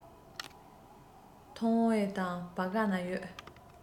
འཐུང བའི དང བ ག ན ཡོད